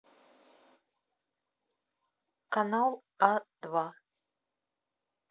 канал а два